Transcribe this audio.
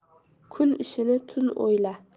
kun ishini tun o'yla